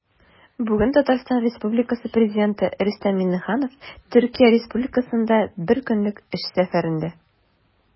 Бүген Татарстан Республикасы Президенты Рөстәм Миңнеханов Төркия Республикасында бер көнлек эш сәфәрендә.